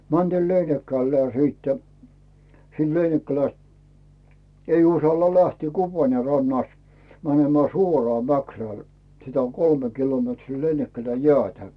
mentiin Leinikkälään siitä siinä Leinikkälästä ei uskalla lähteä Kuparnen rannasta menemään suoraan Mäkrälle sitä on kolme kilometriä Leinikkälään jäätä